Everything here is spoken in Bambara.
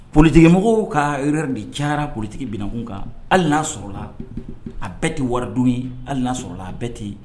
Politigimɔgɔw ka yɛrɛ de cayara ptigikun kan hali a sɔrɔ a bɛɛ tɛ waradenw ye hali sɔrɔ a bɛɛ tɛ